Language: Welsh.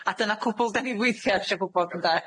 A dyna cwbwl 'dan ni weithie isio gwbod, ynde?